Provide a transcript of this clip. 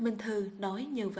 minh thư nói như vậy